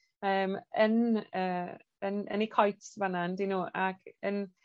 yym yn yr yn yn 'u coets fan 'na on'd 'yn nw ag yn